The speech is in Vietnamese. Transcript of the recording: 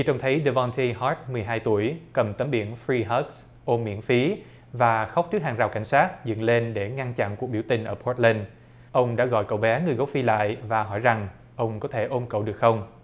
trông thấy đờ von phi hót mười hai tuổi cầm tấm biển phờ ri hớt ôm miễn phí và khóc trước hàng rào cảnh sát dựng lên để ngăn chặn cuộc biểu tình ở pốt lừn ông đã gọi cậu bé người gốc phi lại và hỏi rằng ông có thể ôm cậu được không